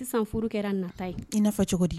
Sisan furu kɛra nata ye ia cogo di